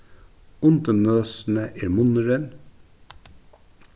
undir nøsini er munnurin